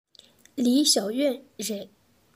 ལིའི ཞའོ ཡན རེད